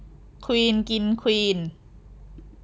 ควีนกินควีน